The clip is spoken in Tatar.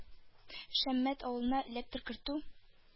Шәммәт авылына электр кертү